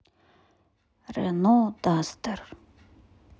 рено дастер